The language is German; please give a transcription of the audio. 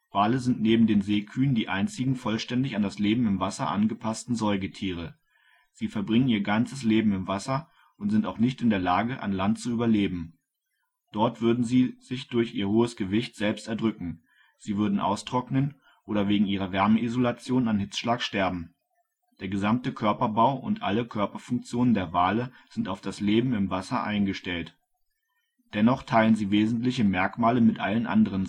Wale sind neben den Seekühen die einzigen vollständig an das Leben im Wasser angepassten Säugetiere. Sie verbringen ihr ganzes Leben im Wasser und sind auch nicht in der Lage, an Land zu überleben. Dort würden sie sich durch ihr schweres Gewicht selbst erdrücken, sie würden austrocknen oder wegen ihrer Wärmeisolation an Hitzschlag sterben. Der gesamte Körperbau und alle Körperfunktionen der Wale sind auf das Leben im Wasser eingestellt. Dennoch teilen sie wesentliche Merkmale mit allen anderen